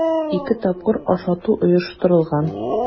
Ике тапкыр ашату оештырылган.